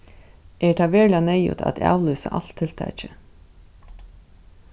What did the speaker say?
er tað veruliga neyðugt at avlýsa alt tiltakið